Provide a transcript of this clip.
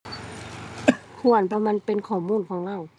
ควร เพราะมันเป็นข้อมูลของเรา